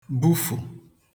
bufù